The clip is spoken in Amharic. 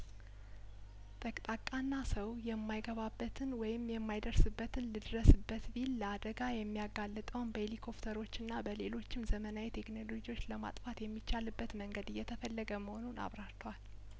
ጠቅጣቃና ሰው የማይገባበትን ወይም የማይደርስበትን ልድረስበት ቢል ለአደጋ የሚያጋልጠውን በሂሊኮፍተሮችና በሌሎችም ዘመናዊ ቴክኖሎጂዎች ለማጥፋት የሚቻልበት መንገድ እየተፈለገ መሆኑን አብራርተዋል